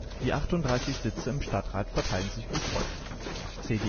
Die 40 Sitze im Stadtrat verteilen sich wie folgt: CDU